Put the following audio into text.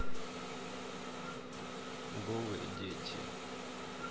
голые дети